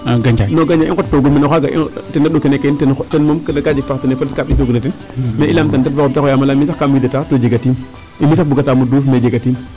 Mene Gandiaye non Gandiaye i nqotitoogun ta reɗ'u kene ke ten moom kaa jeg partenaire ɓisiidoogna ten mais i laamtan ten fa xooxum ta layaam ee mi' fene sax kaam widataa to jegatiim mi' sax bugataam o duuf mais jegetiim.